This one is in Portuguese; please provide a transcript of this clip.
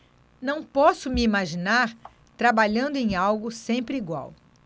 não posso me imaginar trabalhando em algo sempre igual